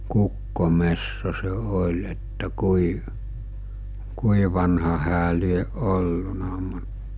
kukkometso se oli että kuinka kuinka vanha hän lie ollut mutta